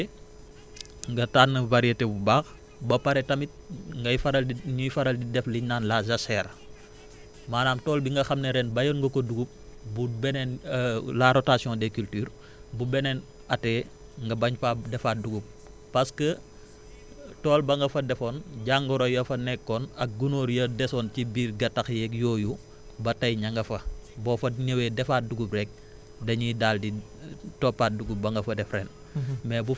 bu ko defee nga tànn variété bu baax ba pare tamit ngay faral di ñuy faral di def liñ naan la jachère maanaam tool bi nga xam ne ren béyoon nga ko dugub bu beneen la rotation des cultures bu beneen atee nga bañ faa defaat dugub parce que tool ba nga fa defoon jangoro ya fa nekkoon ak gunóor ya desoon ci biir gatax yeeg yooyu ba tey ña nga fa boo fa ñewee defaat dugub rek dañuy daal di toppaat dugub ba nga fa def ren